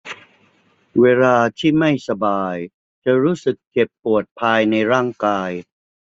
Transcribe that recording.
เวลาที่ไม่สบายจะรู้สึกเจ็บปวดภายในร่างกาย